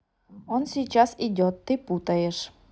он сейчас идет ты путаешь